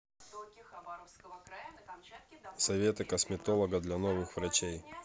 советы косметолога для новых врачей